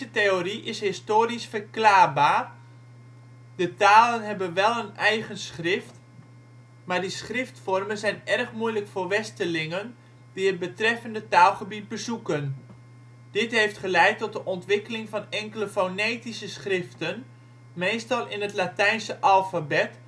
theorie is historisch verklaarbaar. Deze talen hebben wel een eigen schrift, maar die schriftvormen zijn erg moeilijk voor westerlingen die het betreffende taalgebied bezoeken. Dit heeft geleid tot de ontwikkeling van enkele fonetische schriften, meestal in het Latijnse alfabet